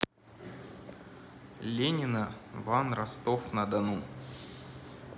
ленина ван ростов на дону